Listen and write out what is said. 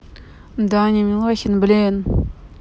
даня милохин блин